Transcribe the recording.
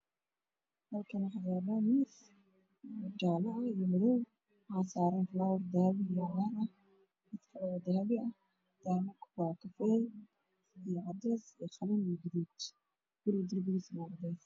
Halkaan waxaa ka muuqdo miis dhalo ka samaysan oo saaran koombo dahabi oo geed cagaar ku dhex jiro waxaana la saaran waxyaabo kale oo dahabi ah